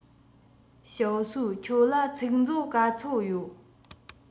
ཞའོ སུའུ ཁྱོད ལ ཚིག མཛོད ག ཚོད ཡོད